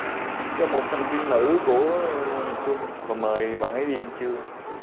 cho một thành viên nữ của ngôi nhà chung và mời bạn ấy đi ăn trưa